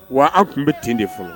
Wa aw tun bɛ ten de fɔlɔ